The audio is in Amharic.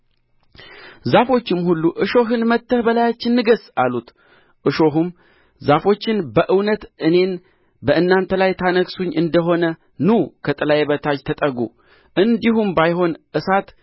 በዛፎች ላይ እንድሰፍፍ ልሂድ አላቸው ዛፎችም ሁሉ እሾህን መጥተህ በላያችን ንገሥ አሉት እሾሁም ዛፎችን በእውነት እኔን በእናንተ ላይ ታነግሡኝ እንደ ሆነ ኑ ከጥላዬ በታች ተጠጉ እንዲሁም ባይሆን እሳት